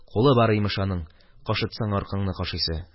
Кулы бар, имеш, аның, кашытсаң, арканы кашыйсы